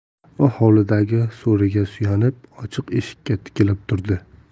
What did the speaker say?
u hovlidagi so'riga suyanib ochiq eshikka tikilib turdi